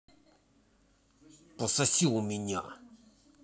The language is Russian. пососи у меня